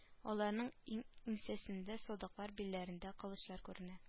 Аларның иң иңсәсендә садаклар билләрендә кылычлар күренә